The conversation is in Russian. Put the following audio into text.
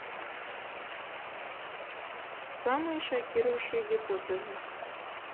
самые шокирующие гипотезы